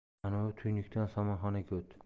ana u tuynukdan somonxonaga o't